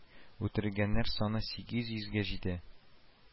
Үтерелгәннәр саны сигез йөзгә җитә